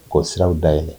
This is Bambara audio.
Ko siraw da yɛlɛ